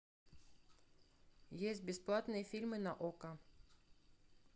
есть бесплатные фильмы на окко